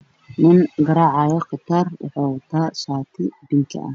Waa nin garaacaayo kataar waxuu wataa shaati bingi ah.